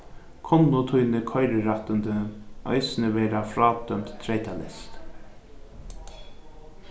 kunnu tíni koyrirættindi eisini verða frádømd treytaleyst